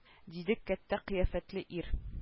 Диде кәттә кыяфәтле ир